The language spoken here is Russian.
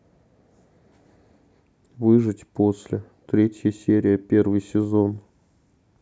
выжить после третья серия первый сезон